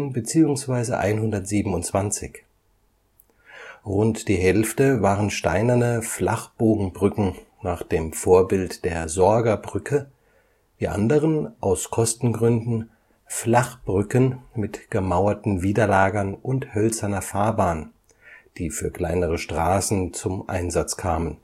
bzw. 127. Rund die Hälfte waren steinerne Flachbogenbrücken nach dem Vorbild der Sorger Brücke, die anderen – aus Kostengründen – Flachbrücken mit gemauerten Widerlagern und hölzerner Fahrbahn, die für kleinere Straßen zum Einsatz kamen